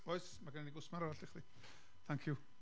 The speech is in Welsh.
oes, ma' gennyn ni gwsmer arall i chdi. Thank you.